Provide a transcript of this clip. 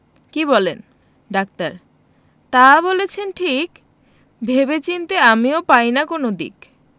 কি বলেন ডাক্তার তা বলেছেন ঠিক ভেবে চিন্তে আমিও পাই না কোনো দিক